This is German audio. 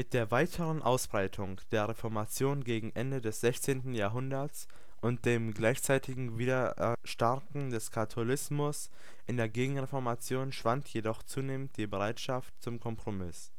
der weiteren Ausbreitung der Reformation gegen Ende des 16. Jahrhunderts und dem gleichzeitigen Wiedererstarken des Katholizismus in der Gegenreformation schwand jedoch zunehmend die Bereitschaft zum Kompromiss